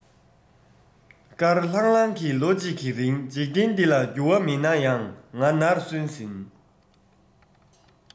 དཀར ལྷང ལྷང གི ལོ ངོ གཅིག གི རིང འཇིག རྟེན འདི ལ འགྱུར བ མེད ན ཡང ང ནར སོན ཟིན